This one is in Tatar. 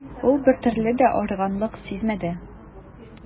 Ул бертөрле дә арыганлык сизмәде.